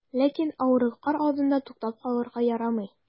Ләкин авырлыклар алдында туктап калырга ярамый.